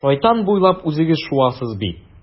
Шайтан буйлап үзегез шуасыз бит.